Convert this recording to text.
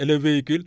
et le véhicule